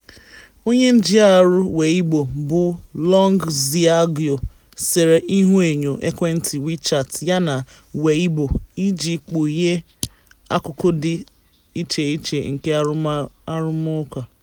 Onye njiarụ Weibo bụ́ Long Zhigao sere ihuenyo ekwentị WeChat ya na Weibo iji kpughee akụkụ dị icheiche nke arụmụka ahụ.